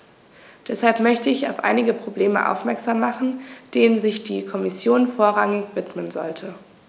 Deshalb möchte ich auf einige Probleme aufmerksam machen, denen sich die Kommission vorrangig widmen sollte.